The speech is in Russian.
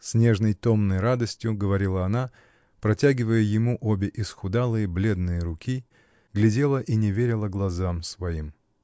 — с нежной, томной радостью говорила она, протягивая ему обе исхудалые, бледные руки, глядела и не верила глазам своим.